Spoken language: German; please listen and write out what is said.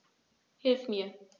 Hilf mir!